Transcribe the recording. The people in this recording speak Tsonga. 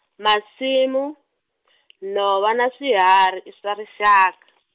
masimu , nhova na swihari i swa rixaka.